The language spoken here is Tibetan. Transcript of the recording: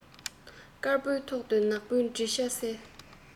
དཀར པོའི ཐོག ཏུ ནག པོའི བྲིས ཆ གསལ